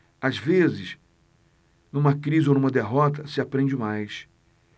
às vezes numa crise ou numa derrota se aprende mais